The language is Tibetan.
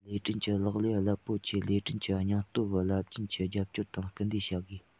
ལས སྐྲུན གྱི ལག ལེན རླབས པོ ཆེར ལས སྐྲུན གྱི སྙིང སྟོབས རླབས ཆེན གྱིས རྒྱབ སྐྱོར དང སྐུལ འདེད བྱ དགོས